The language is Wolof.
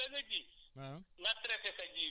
problème bi mooy bala nga ji